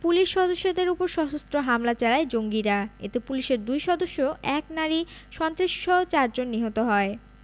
police সদস্যদের ওপর সশস্ত্র হামলা চালায় জঙ্গিরা এতে পুলিশের দুই সদস্য এক নারী সন্ত্রাসীসহ চারজন নিহত হয়